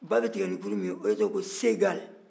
ba bɛ tigɛ ni kurun min ye o de tɔgɔ ko seegali